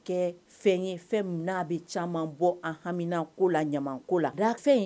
Bɔ la